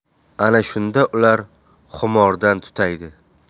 ana shunda ular xumordan tutaydi